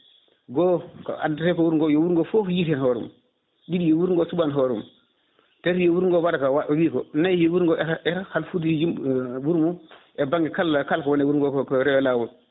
goho ko addete ko yo wuuro ngo foof yii hen hoore muɗum ɗiɗi wuuro ngo cuɓano hooremum tati wuuro ngo waɗa ko wiiko nayyi wuuro eto eto halfude yimɓe wuuro mum e banggue kala kala ko wone wuuro ngo ko rewe lawol